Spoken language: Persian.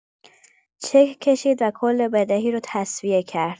چک کشید و کل بدهی رو تسویه کرد